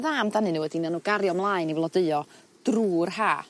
dda amdanyn n'w ydi newn n'w gario mlaen i flodeuo drw'r Ha.